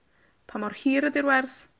pa mor hir ydi'r wers,